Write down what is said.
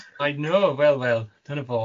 I know, wel wel, dyna fo.